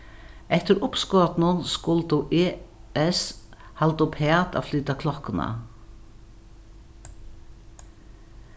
eftir uppskotinum skuldu es halda uppat at flyta klokkuna